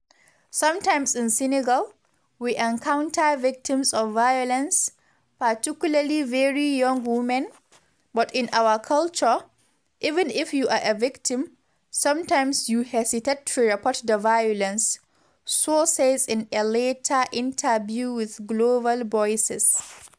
“Sometimes in Senegal, we encounter victims of violence, particularly very young women, but in our culture, even if you are a victim, sometimes [you] hesitate to report the violence,” Sow says in a later interview with Global Voices.